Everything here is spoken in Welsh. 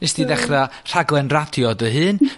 nest ti ddechra rhaglen radio dy hun...